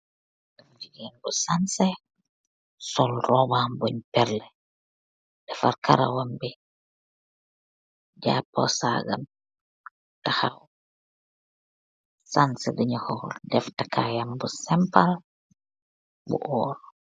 Haleh bu jigeen bu sanseh sol robaa bunj pehrreh tai sol takayu rafet.